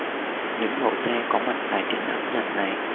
những mẫu xe có mặt tại triển lãm lần này